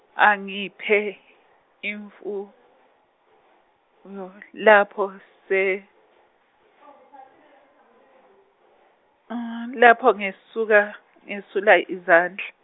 angiphe imfuyo lapho , lapho ngesul- ngesula izandl-.